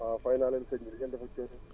waaw fay naa leen sëñ bi nu ngeen def ak coono